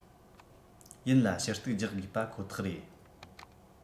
ཡིན ལ ཞུ གཏུག རྒྱག དགོས པ ཁོ ཐག རེད